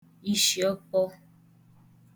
ishiọkpọ